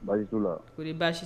Basiso la ko baasi